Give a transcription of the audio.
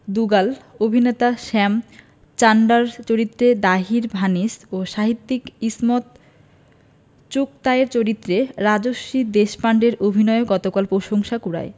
দুগাল অভিনেতা শ্যাম চাড্ডার চরিত্রে তাহির ভাসিন ও সাহিত্যিক ইসমত চুগতাইয়ের চরিত্রে রাজশ্রী দেশপান্ডের অভিনয়ও গতকাল প্রশংসা কুড়ায়